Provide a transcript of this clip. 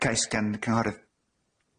Yycais gan cynghorydd